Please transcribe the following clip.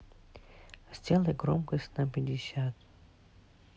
сделай громкость на пятьдесят